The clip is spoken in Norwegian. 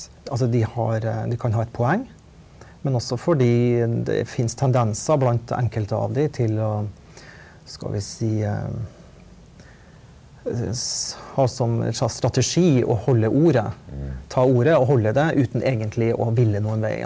altså de har de kan ha et poeng men også fordi det finnes tendenser blant enkelte av de til å skal vi si ha som en slags strategi å holde ordet ta ordet og holde det uten egentlig å ville noen vei.